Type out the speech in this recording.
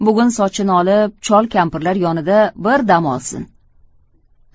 bugun sochini olib chol kampirlar yonida bir dam olsin